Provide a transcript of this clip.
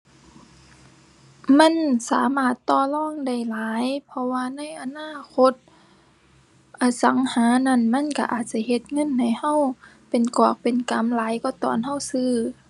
มันสามารถต่อรองได้หลาย เพราะว่าในอนาคต อสังหานั้นมันก็อาจจะเฮ็ดเงินให้ก็เป็นกอบเป็นกำหลายกว่าตอนก็ซื้อ